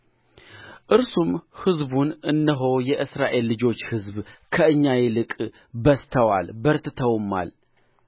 እርሱም ሕዝቡን እነሆ የእስራኤል ልጆች ሕዝብ ከእኛ ይልቅ በዝተዋል በርትተውማል